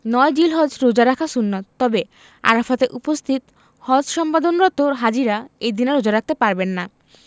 ৯ জিলহজ রোজা রাখা সুন্নাত তবে আরাফাতে উপস্থিত হজ সম্পাদনরত হাজিরা এই দিন রোজা রাখতে পারবেন না